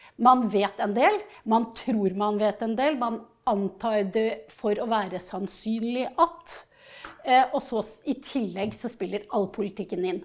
man vet en del, man tror man vet en del, man antar det for å være sannsynlig at og så i tillegg så spiller all politikken inn.